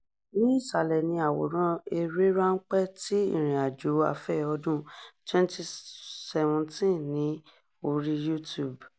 Ní ìsàlẹ̀ ni àwòrán-eré ránpẹ́ ti ìrìnàjò afẹ́ ọdún-un 2017 ní oríi YouTube: